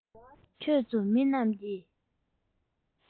ཁྱོད ཚོ མི རྣམས ཀྱིས